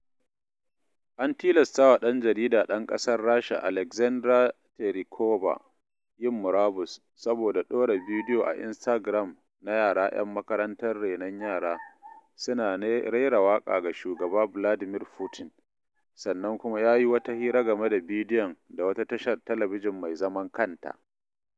An tilastawa ɗan jarida ɗan ƙasar Rasha Alexandra Terikova yin murabus, saboda ɗora bidiyo a Instagram na yara 'yan makarantar renon yara suna raira waƙa ga Shugaba Vladimir Putin, sannan kuma yayi wata hira game da bidiyon da wata tashar talabijin mai zaman kanta.